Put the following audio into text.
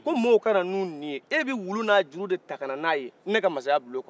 ko mɔw kana n'u ninw ye e be wulu n'a juuru de ta kana na ye ne ka maasaya bulon kɔnɔ